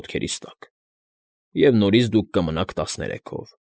Ոտքերիս տակ, և նորից դուք կմնաք տասներեքով։